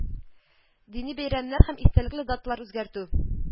Дини бәйрәмнәр һәм истәлекле даталар үзгәртү